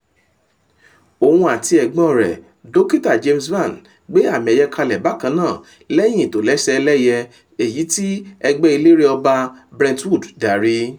Òun àti ẹ̀gbọ́n rẹ̀ Dr James Vann gbé àmì ẹ̀yẹ kalẹ̀ bakan náà lẹ́yìn ìtòlẹ́ṣẹ ẹlẹ́yẹ, èyí tí ẹgbẹ́ eléré ọba Brentwood darí.